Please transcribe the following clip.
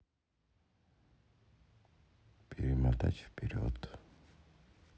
перемотать вперед